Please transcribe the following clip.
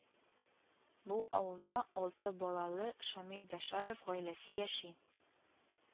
Бу авылда алты балалы Шамил Бәшәров гаиләсе яши